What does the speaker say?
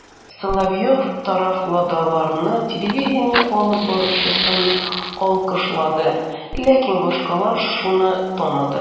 Соловьев тарафдарлары телевидение алып баручысын алкышлады, ләкин башкалар шуны таныды: